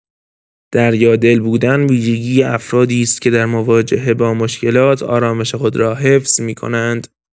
دریادل بودن ویژگی افرادی است که در مواجهه با مشکلات، آرامش خود را حفظ می‌کنند.